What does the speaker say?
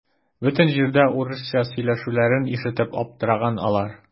Бөтен җирдә урысча сөйләшүләрен ишетеп аптыраган алар.